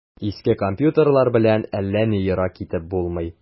Иске компьютерлар белән әллә ни ерак китеп булмый.